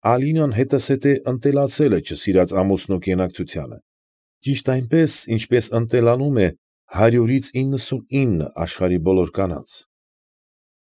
Ալինան հետզհետե ընտելացել է չսիրած ամուսնու կենակցությանը, ճիշտ այնպես, ինչպես ընտելանում է հարյուրից իննսունինը աշխարհի բոլոր կանանց։